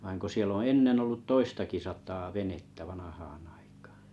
vaan kun siellä on ennen ollut toistakin sataa venettä vanhaan aikaan